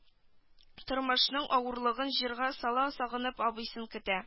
Тормышының авырлыгын җырга сала сагынып абыйсын көтә